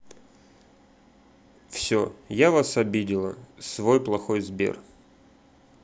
все я вас обидела свой плохой сбер